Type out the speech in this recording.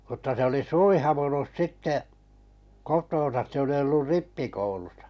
mutta se oli suivaantunut sitten kotoonsa se oli ollut rippikoulussa